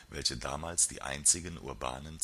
welche damals die einzigen urbanen